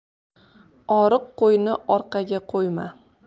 oriq qo'yni orqaga qo'yma